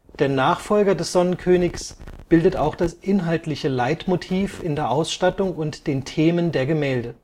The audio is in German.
Der Nachfolger des Sonnenkönigs bildet auch das inhaltliche Leitmotiv in der Ausstattung und den Themen der Gemälde